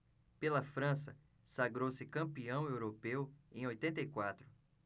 pela frança sagrou-se campeão europeu em oitenta e quatro